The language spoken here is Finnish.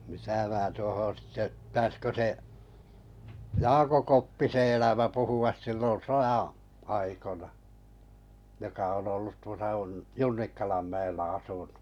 mitä minä tuohon sitten pitäisikö se Jaakko Koppisen elämä puhua silloin sodan aikoina joka on ollut tuossa - Junnikkalan mäellä asunut